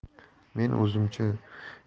men o'zimcha shu